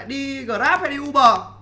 đi gờ ráp hay đi u bờ